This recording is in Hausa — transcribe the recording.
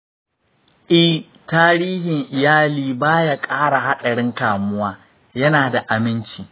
eh, tarihin iyali ba ya ƙara haɗarin kamuwa. yana da aminci.